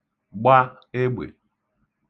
gba egbè